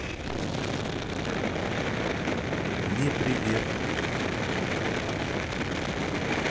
мне привет